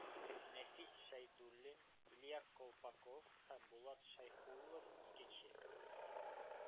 Нәфис Шәйдуллин, Илья Колпаков һәм Булат Шәйхуллов – икенче,